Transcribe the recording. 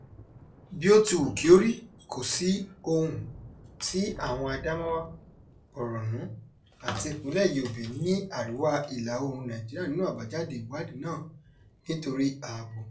Bí ó ti wù kíó rí, kò sí ohùn àwọn Adamawa, Borno, àti ìpínlẹ̀ Yobe ní àríwá ìlà-oòrùn Nàìjíríà nínú àbájáde ìwádìí náà nítorí ọ̀rọ̀ ààbò.